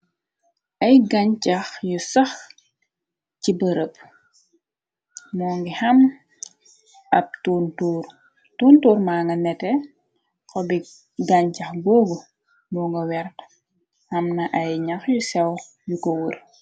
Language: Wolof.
Ay gancax yu sax ci bërëb moo ngi xam ab tuntuur tontuur manga nete xo bi gancax góog mo nga wer amna ay ñax yu sew yu ko wur.